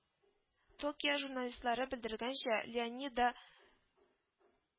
Токио журналистлары белдергәнчә, Леонида